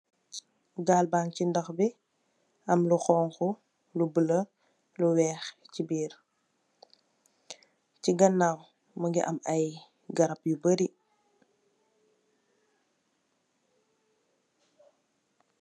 gal bagi ci noox bi am lo xogko lo bulu lo weex ci biir ci ganaw megi am ayi garam yi baari.